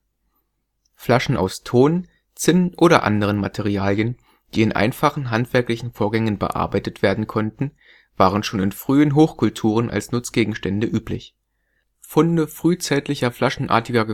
Flaschen aus Ton, Zinn oder anderen Materialien, die in einfachen handwerklichen Vorgängen bearbeitet werden konnten, waren schon in frühen Hochkulturen als Nutzgegenstände üblich. Funde frühzeitlicher flaschenartiger